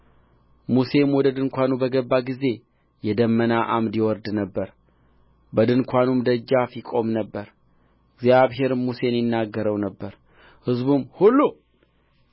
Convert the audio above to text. ሙሴም ወደ ድንኳኑ በገባ ጊዜ የደመና ዓምድ ይወርድ ነበር በድንኳኑም ደጃፍ ይቆም ነበር እግዚአብሔርም ሙሴን ይናገረው ነበር ሕዝቡም ሁሉ